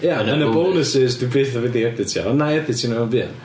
Ia ond yn y bonwsys dwi byth yn mynd i editio ond wna i editio nhw'n buan.